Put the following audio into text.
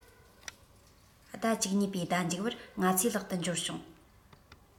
ཟླ ༡༢ པའི ཟླ མཇུག བར ང ཚོས ལག ཏུ འབྱོར བྱུང